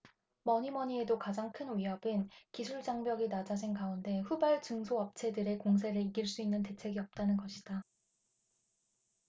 뭐니뭐니해도 가장 큰 위협은 기술장벽이 낮아진 가운데 후발 중소업체들의 공세를 이길 수 있는 대책이 없다는 것이다